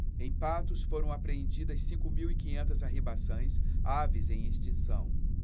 em patos foram apreendidas cinco mil e quinhentas arribaçãs aves em extinção